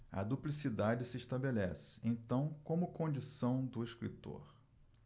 a duplicidade se estabelece então como condição do escritor